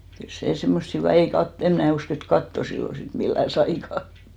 kyllä se semmoista hyvin ei - en minä usko että kattoa silloin sitten millään saikaan